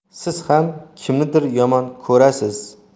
siz ham kimnidir yomon ko'rasiz